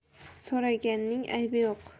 so'raganning aybi yo'q